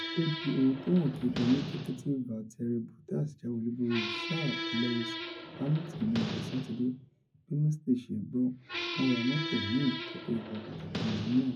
Ó di ohun tó hàn kedere ní kété tí Valtteri Bottas jáwé olúborí ṣáá Lewis Hamiton ni ọjọ́ Sátidé. Bí Mercedes ṣe gbọ́, wọ́n ra mọ́tò míì tó kó ipa pàtàkì nínú eré náà.